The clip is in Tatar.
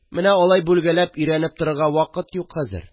Менә алай бүлгәләп өйрәнеп торырга вакыт юк хәзер